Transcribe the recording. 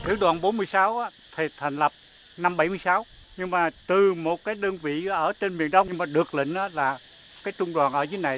tiểu đoàn bốn mươi sáu á thì thành lập năm bảy mươi sáu nhưng mà từ một cái đơn vị ở trên biển đông nhưng mà được lệnh là là trung đoàn ở dưới này